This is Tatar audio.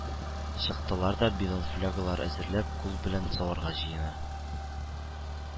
Чыктылар да, бидон-флягалар әзерләп, кул белән саварга җыена